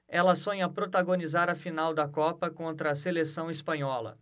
ele sonha protagonizar a final da copa contra a seleção espanhola